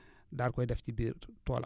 daal di koy def ci biir toolam